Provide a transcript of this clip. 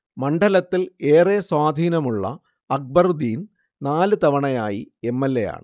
മണ്ഡലത്തിൽ ഏറെ സ്വാധീനമുള്ള അക്ബറുദ്ദീൻ നാല് തവണയായി എം. എൽ. എയാണ്